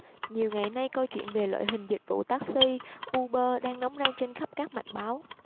nhiều ngày nay câu chuyện về loại hình dịch vụ taxi uber đang nóng ran trên khắp các mặt báo